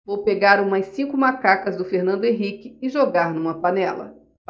vou pegar umas cinco macacas do fernando henrique e jogar numa panela